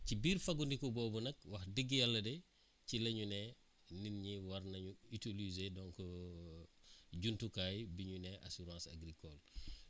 ci biir fagandiku boobu nag wax dëgg yàlla de ci la ñu ne nit ñu war nañu utiliser donc jumtukaay bi ñu ne assurance agricole